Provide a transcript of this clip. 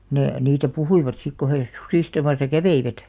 ne niitä puhuivat sitten kun he susistamassa kävivät